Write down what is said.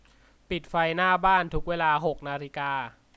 ปิดไฟหน้าบ้านทุกเวลาหกนาฬิกา